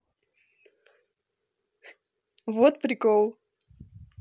вот прикол